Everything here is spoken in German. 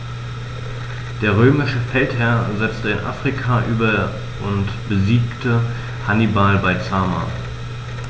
Der römische Feldherr setzte nach Afrika über und besiegte Hannibal bei Zama.